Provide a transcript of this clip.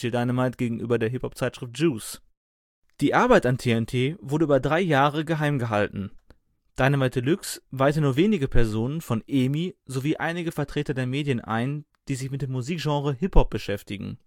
Dynamite gegenüber der Hip-Hop-Zeitschrift Juice Die Arbeit an TNT wurde über drei Jahre geheim gehalten. Dynamite Deluxe weihte nur wenige Personen von EMI sowie einige Vertreter der Medien ein, die sich mit dem Musikgenre Hip-Hop beschäftigen